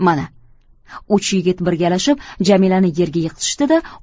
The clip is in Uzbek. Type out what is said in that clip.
mana uch yigit birgalashib jamilani yerga yiqitishdi da